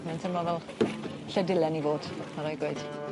Ma'n teimlo fel lle dylen i fod. Ma' raid gweud.